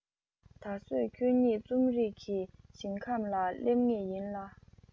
ད བཟོད ཁྱོད ཉིད རྩོམ རིག གི ཞིང ཁམས ལ སླེབས ངེས ཡིན ལ